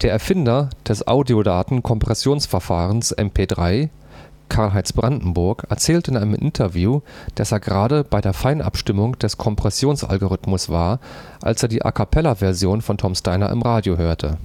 Erfinder des Audiodatenkompressionsverfahren MP3, Karlheinz Brandenburg, erzählte in einem Interview, dass er gerade bei der Feinabstimmung des Kompressionsalgorithmus war, als er die A-cappella-Version von Tom’ s Diner im Radio hörte